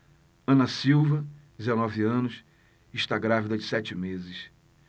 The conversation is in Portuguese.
ana silva dezenove anos está grávida de sete meses